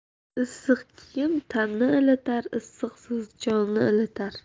issiq kiyim tanni ilitar issiq so'z jonni ilitar